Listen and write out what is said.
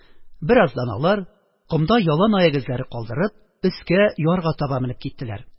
Бераздан алар, комда яланаяк эзләре калдырып, өскә – ярга таба менеп киттеләр